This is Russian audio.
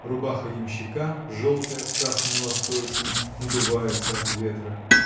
рубаха ямщика, желтая, с красными ластовицами, надувается от ветра.